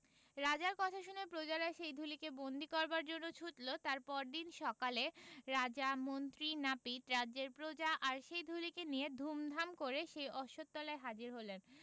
রাজার কথা শুনে প্রজারা সেই ঢুলিকে বন্দী করবার জন্যে ছুটল তার পরদিন সকালে রাজা মন্ত্রী নাপিত রাজ্যের প্রজা আর সেই চুলিকে নিয়ে ধুমধাম করে সেই অশ্বত্থতলায় হাজির হলেন